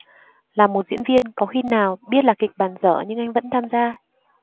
là một diễn viên có khi nào biết là kịch bản dở nhưng anh vẫn tham gia